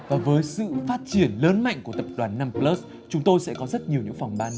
với sự phát triển lớn mạnh của tập đoàn năm pờ lớt chúng tôi sẽ có rất nhiều những phòng ban